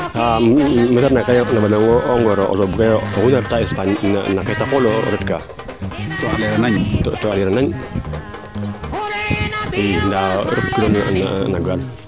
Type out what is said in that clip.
xa'a meete refna kat oxu ref na o neɓanong o ngoo oxu na reta Espagne na kata qoolu o ret kaa to a leera nañ i ndaa ret kiro no gaal